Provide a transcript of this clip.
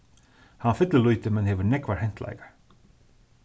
hann fyllur lítið men hevur nógvar hentleikar